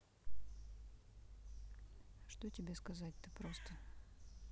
а что тебе сказать ты просто